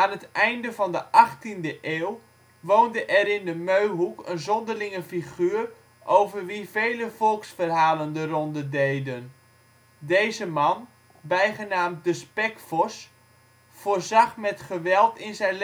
het einde van de achttiende eeuw woonde er in de Meuhoek een zonderlinge figuur over wie vele volksverhalen de ronde deden. Deze man, bijgenaamd de Spekvos, voorzag met geweld in zijn